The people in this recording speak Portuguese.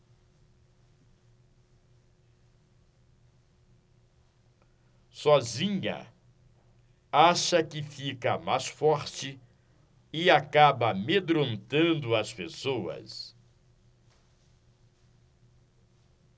sozinha acha que fica mais forte e acaba amedrontando as pessoas